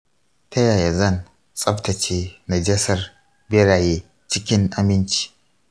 ta yaya zan tsaftace najasar beraye cikin aminci?